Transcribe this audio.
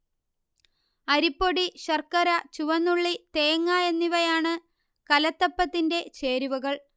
അരിപ്പൊടി ശർക്കര ചുവന്നുള്ളി തേങ്ങ എന്നിവയാണ് കലത്തപ്പത്തിന്റെ ചേരുവകൾ